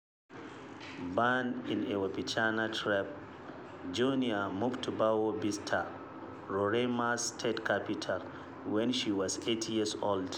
Born in a Wapichana tribe, Joenia moved to Boa Vista, Roraima's state capital, when she was eight years old.